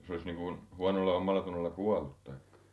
Jos olisi niin kun huonolla omallatunnolla kuollut tai